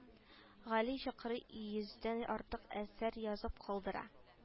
Гали чокрый йөздән артык әсәр язып калдыра